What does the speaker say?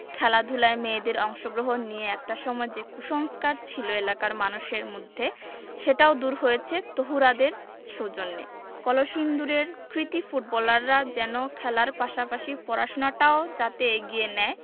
খেলাধুলায় মেয়েদের অংশগ্রহণ নিয়ে একটা সময় যে কুসংস্কার ছিল এলাকার মানুষের মধ্যে সেটিও দূর হয়েছে তহুরাদের সৌজন্যে কলসিন্দুরের কৃতী ফুটবলাররা যেন খেলার পাশাপাশি পড়াশোনাটাও যাতে এগিয়ে নেয়